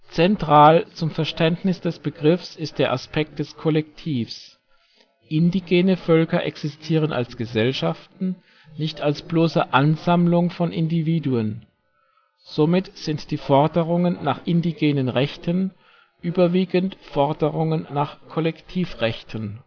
Zentral zum Verständnis des Begriffs ist der Aspekt des Kollektivs. Indigene Völker existieren als Gesellschaften, nicht als bloße Ansammlung von Individuen. Somit sind die Forderungen nach indigenen Rechten überwiegend Forderungen nach Kollektivrechten